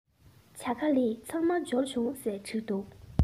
ཇ ག ལི ཚང མ འབྱོར བྱུང